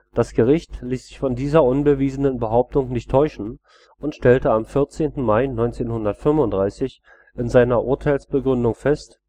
Das Gericht ließ sich von dieser unbewiesenen Behauptung nicht täuschen und stellte am 14. Mai 1935 in seiner Urteilsbegründung fest